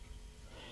VL